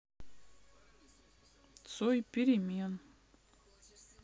цой перемен